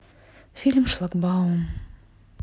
фильм шлагбаум